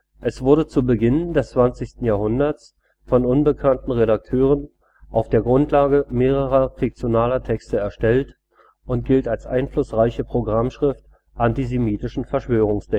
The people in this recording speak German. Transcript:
Es wurde zu Beginn des 20. Jahrhunderts von unbekannten Redakteuren auf der Grundlage mehrerer fiktionaler Texte erstellt und gilt als einflussreiche Programmschrift antisemitischen Verschwörungsdenkens. Die